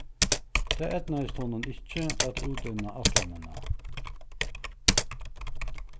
tað eydnaðist honum ikki at útinna ætlanina